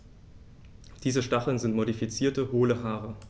Diese Stacheln sind modifizierte, hohle Haare.